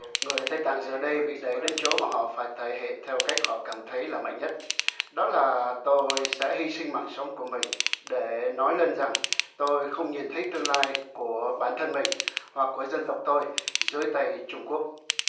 người tây tạng giờ đây bị đẩy đến chỗ mà họ phải thể hiện theo cách họ cảm thấy là mạnh nhất đó là tôi sẽ hy sinh mạng sống của mình để nói lên rằng tôi không nhìn thấy tương lai của bản thân mình hoặc của dân tộc tôi dưới tay trung quốc